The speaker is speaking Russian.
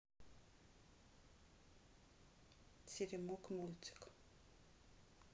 теремок мультик